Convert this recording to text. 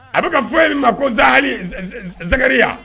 A bɛ ka foyi in ma ko zgriya